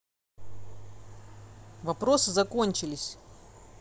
вопросы закончились